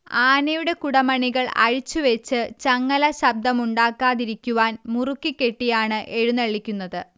ആനയുടെ കുടമണികൾ അഴിച്ചുവെച്ച് ചങ്ങല ശബ്ദമുണ്ടാക്കാതിരിക്കുവാൻ മുറുക്കി കെട്ടിയാണ് എഴുന്നള്ളിക്കുന്നത്